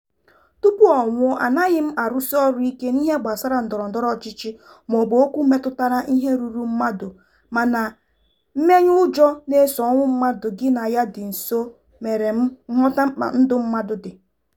tụpụ ọ nwụọ, anaghị m arụsị ọrụ ike n'ihe gbasara ndọrọndọrọ ọchịchị maọbụ okwu metụtara ihe ruuru mmadụ mana mmenyeụjọ na-eso ọnwụ mmadụ gị na ya dị nso mere m ghọta mkpa ndụ mmadụ dị.